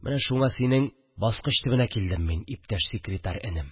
Менә шуңа синең баскыч төбенә килдем мин, иптәш секретарь энем